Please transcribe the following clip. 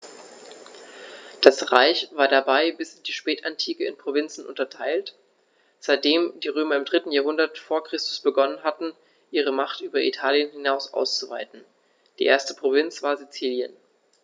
Das Reich war dabei bis in die Spätantike in Provinzen unterteilt, seitdem die Römer im 3. Jahrhundert vor Christus begonnen hatten, ihre Macht über Italien hinaus auszuweiten (die erste Provinz war Sizilien).